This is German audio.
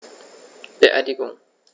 Beerdigung